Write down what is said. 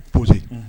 Posé unhun